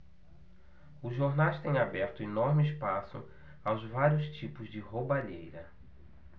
os jornais têm aberto enorme espaço aos vários tipos de roubalheira